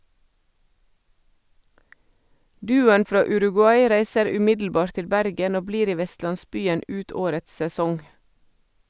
Duoen fra Uruguay reiser umiddelbart til Bergen, og blir i vestlandsbyen ut årets sesong.